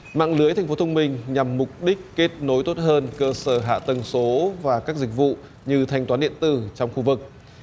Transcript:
mạng lưới thành phố thông minh nhằm mục đích kết nối tốt hơn cơ sở hạ tầng số và các dịch vụ như thanh toán điện tử trong khu vực